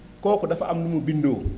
kooku dafa am nu mu bindoo